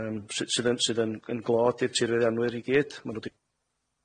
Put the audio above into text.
yym sy- sydd yn sydd yn yn glod i'r tirfeiddianwyr i gyd ma'